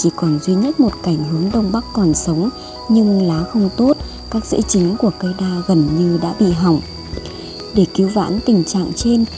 chỉ còn duy nhất một cành hướng đông bắc còn sống nhưng lá không tốt các rễ chính của cây đa gần như đã bị hỏng để cứu vãn tình trạng trên